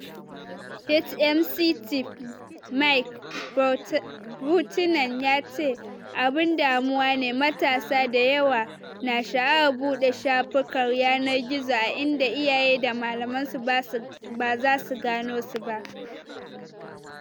HMC chief Mike Buchanan ya ce: “Abun damuwa ne matasa da yawa na sha’awar bude shafukan yanar gizo a inda iyaye da malaman su bazasu gano su ba.”